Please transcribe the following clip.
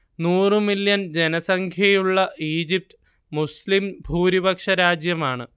നൂറ് മില്യൺ ജനസംഖ്യയുള്ള ഈജിപ്ത് മുസ്ലിം ഭൂരിപക്ഷ രാജ്യമാണ്